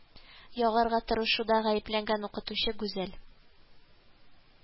Ягарга тырышуда гаепләнгән укытучы гүзәл